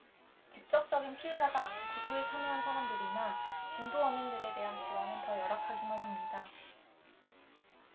직접적인 피해자가 아닌 구조에 참여한 사람들이나 진도어민들에 대한 지원은 더 열악하기만 합니다